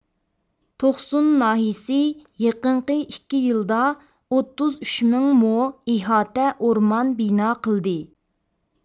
توقسۇن ناھىيىسى يېقىنقى ئىككى يىلدا ئوتتۇز ئۈچ مىڭ مو ئىھاتە ئورمان بىنا قىلدى